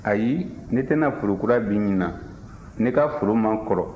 ayi ne tɛna foro kura bin ɲinan ne ka foro man kɔrɔ